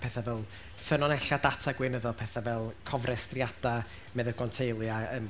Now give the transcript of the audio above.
pethau fel ffynonellau data gweinyddol, pethau fel cofrestriadau meddygon teulu a yym.